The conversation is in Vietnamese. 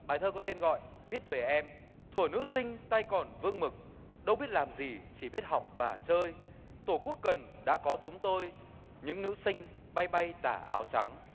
bài thơ có tên gọi viết về em thuở nữ sinh tay còn vương mực đâu biết làm gì chỉ biết học và chơi tổ quốc cần đã có chúng tôi những nữ sinh bay bay tà áo trắng